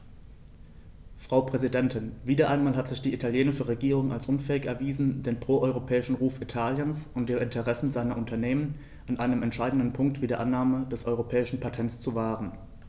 Frau Präsidentin, wieder einmal hat sich die italienische Regierung als unfähig erwiesen, den pro-europäischen Ruf Italiens und die Interessen seiner Unternehmen an einem entscheidenden Punkt wie der Annahme des europäischen Patents zu wahren.